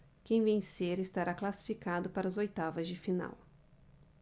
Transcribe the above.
quem vencer estará classificado para as oitavas de final